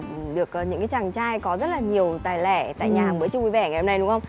được ở những cái chàng trai có rất là nhiều tài lẻ tại nhà hàng bữa trưa vui vẻ ngày hôm nay đúng không